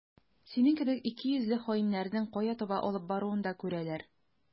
Синең кебек икейөзле хаиннәрнең кая таба алып баруын да күрәләр.